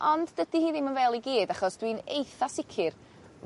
ond dydi hi ddim yn fel i gyd achos dwi'n eitha sicir